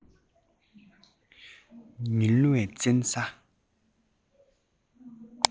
ཉུལ བའི བཙན ས